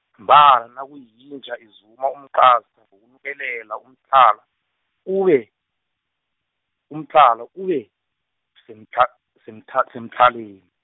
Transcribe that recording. mbala nakuyinja izuma umqasa, -gokunukelela umtlhala, ube, umtlhala ube, semth- semtha- semtlhaleni.